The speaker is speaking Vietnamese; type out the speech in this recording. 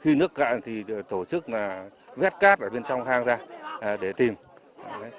khi nước cạn thì được tổ chức là vét cát ở bên trong hang ra để tìm